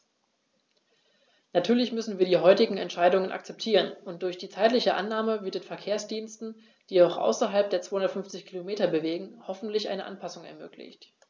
Natürlich müssen wir die heutige Entscheidung akzeptieren, und durch die zeitliche Ausnahme wird den Verkehrsdiensten, die sich außerhalb der 250 Kilometer bewegen, hoffentlich eine Anpassung ermöglicht.